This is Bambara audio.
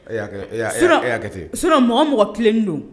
E y'a e y'a kɛ t'en sinon mɔgɔ o mɔgɔ tilelen don